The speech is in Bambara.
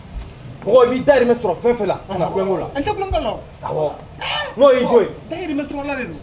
I da bɛ sɔrɔ fɛn n'o